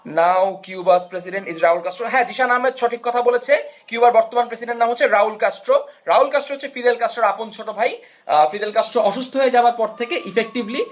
now Cuba's president is Raul Castro হ্যাঁ জিসান আহ্মেদ সঠিক কথা বলেছে কিউবার বর্তমান প্রেসিডেন্ট এর নাম হচ্ছে রাউল কাস্ট্রো রাউল কাস্ট্রো হচ্ছে ফিদেল ক্যাস্ট্রোর আপন ছোট ভাই ফিদেল কাস্ট্রো অসুস্থ হয়ে যাওয়ার পর থেকে ইফেক্টিভলি